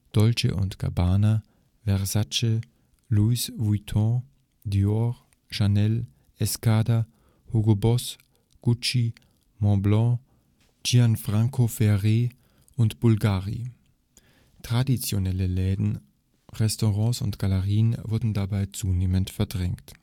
Dolce & Gabbana, Versace, Louis Vuitton, Dior, Chanel, Escada, Hugo Boss, Gucci, Montblanc, Gianfranco Ferré und Bulgari. Traditionelle Läden, Restaurants und Galerien wurden dabei zunehmend verdrängt